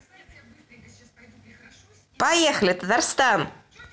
поехали татарстан